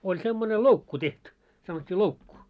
oli semmoinen loukku tehty sanottiin loukku